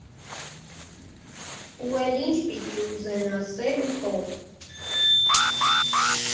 Ու էլ ի՞նչ պիտի ուզենա՝ սեր ու փող։